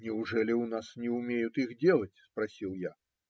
- Неужели у нас не умеют их делать? - спросил я.